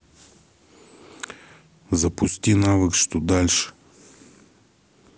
запусти навык что дальше